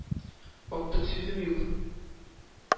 — актык сүзем юк.